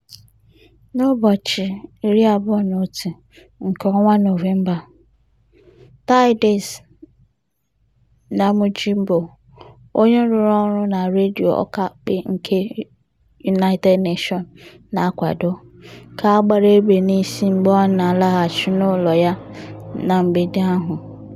N'ụbọchị 21 nke ọnwa Nọvemba Didace Namujimbo, onye rụrụ ọrụ na Redio Okapi nke UN na-akwado, ka a gbara egbe n'isi mgbe ọ na-alaghachi n'ụlọ ya na mgbede ahụ.